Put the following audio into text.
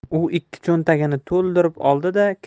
u ikki cho'ntagini to'ldirib oldi